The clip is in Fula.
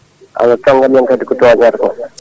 Allah tan waɗi hen kadi ko pewata ko